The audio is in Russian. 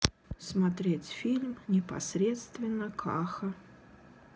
смотреть фильм непосредственно каха